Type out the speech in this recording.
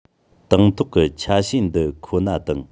དང ཐོག གི ཆ ཤས འདི ཁོ ན དང